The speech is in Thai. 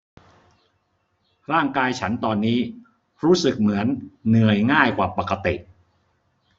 ร่างกายฉันตอนนี้รู้สึกเหมือนเหนื่อยง่ายกว่าปกติ